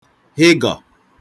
hịgọ